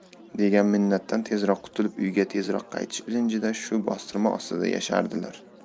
degan minnatdan tezroq qutulib uyga tezroq qaytish ilinjida shu bostirma ostida yashardilar